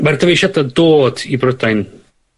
Ma' dyfeisiadan dod i Brydain